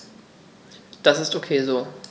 Das ist ok so.